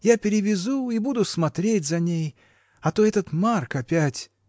Я перевезу и буду смотреть за ней, а то этот Марк опять.